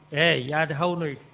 eeyi yahde hawloyde